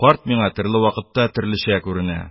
Карт миңа төрле вакытта төрлечә күренә: